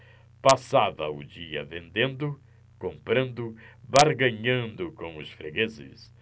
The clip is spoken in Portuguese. passava o dia vendendo comprando barganhando com os fregueses